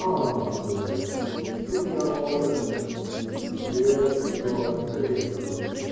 "Ага?" говорит, "синьор Малатеста? Редкий гость, редкий.